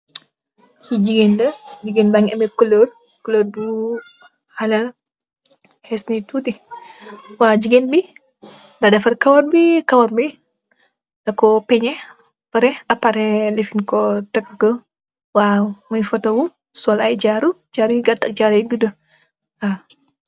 Kee jegain la, jegain bage am coloor , coloor bu hala hessne tuti, waw jegain bi da defarr karawbi, karaw bi daku panche pareh apareh lefen ku taka ku waw moye photohu sol aye jaaru , jaaru yu gata ak yu gouda waw.